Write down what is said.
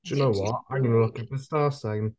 Do you know what? I'm gonna look up his star sign.